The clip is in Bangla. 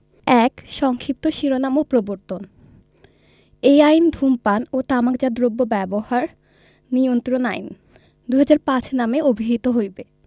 ১ সংক্ষিপ্ত শিরোনাম ও প্রবর্তন এই অঅইন ধূমপান ও তামাকজাত দ্রব্য ব্যবহার নিয়ন্ত্রণ আইন ২০০৫ নামে অভিহিত হইবে